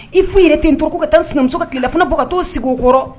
E foyi yɛrɛ ten n tɔɔrɔ fo ka taa n sinamuso ka tilelafana bɔ ka t'o sigi o kɔrɔ